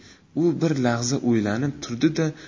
u bir lahza o'ylanib turdi da